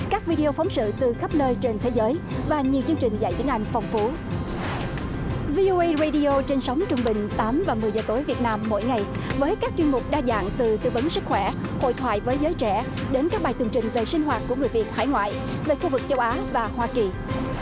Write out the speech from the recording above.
các vi đi ô phóng sự từ khắp nơi trên thế giới và nhiều chương trình dạy tiếng anh phong phú vi ô ây rây đi ô trên sóng trung bình tám và mười giờ tối việt nam mỗi ngày với các chuyên mục đa dạng từ tư vấn sức khỏe hội thoại với giới trẻ đến các bài tường trình về sinh hoạt của người việt hải ngoại về khu vực châu á và hoa kỳ